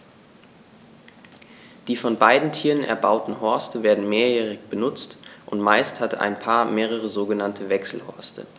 Die von beiden Tieren erbauten Horste werden mehrjährig benutzt, und meist hat ein Paar mehrere sogenannte Wechselhorste.